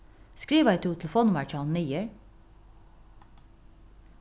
skrivaði tú telefonnummarið hjá honum niður